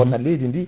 bonna leydi nd